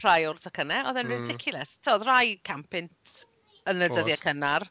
Rhai o'r tocynnau oedd e'n... hmm. ...ridiculous tibod oedd rai can punt yn y... oedd. ...dyddiau cynnar